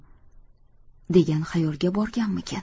degan xayolga borganmikin